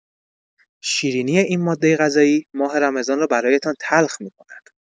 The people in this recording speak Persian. شیرینی این ماده غذایی ماه رمضان را برایتان تلخ می‌کند.